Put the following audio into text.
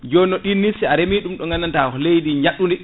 jonnon ɗin nifsi a reemi ɗum ɗo gandanta ko leydi jaaɗuɗi